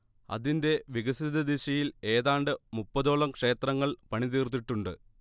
അതിന്റെ വികസിതദശയിൽ ഏതാണ്ട് മുപ്പതോളം ക്ഷേത്രങ്ങൾ പണിതീർത്തിട്ടുണ്ട്